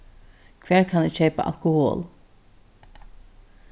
hvar kann eg keypa alkohol